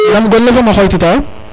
nam gone fo mamo xoytita